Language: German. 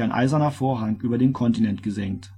Eiserner Vorhang über den Kontinent gesenkt